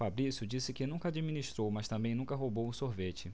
fabrício disse que nunca administrou mas também nunca roubou um sorvete